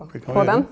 det kan vi gjøre.